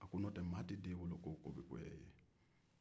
n'o tɛ maa tɛ den wolo k'o bɛ ko goya i ye